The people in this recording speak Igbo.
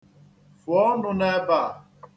Fụọ ọnụ n'ebe a.